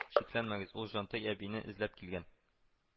Шикләнмәгез, ул җантай әбине эзләп килгән